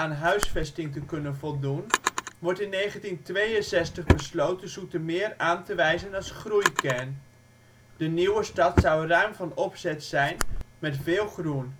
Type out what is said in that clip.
huisvesting te kunnen voldoen wordt in 1962 besloten Zoetermeer aan te wijzen als groeikern. De nieuwe stad zou ruim van opzet zijn met veel groen